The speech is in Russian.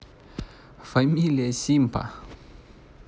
familia симпа